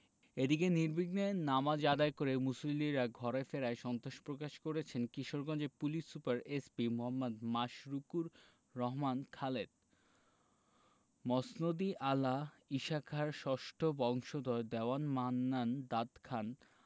এদিকে নির্বিঘ্নে নামাজ আদায় করে মুসল্লিরা ঘরে ফেরায় সন্তোষ প্রকাশ করেছেন কিশোরগঞ্জের পুলিশ সুপার এসপি মো. মাশরুকুর রহমান খালেদ মসনদ ই আলা ঈশাখার ষষ্ঠ বংশধর দেওয়ান মান্নান দাদ খান